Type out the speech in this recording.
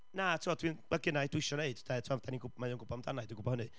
na, tibod dwi'n- ma' gynna i, dwi isio wneud de tibod, dan ni'n gwb- mae o'n gwybod amdana i, dwi'n gwybod hynny.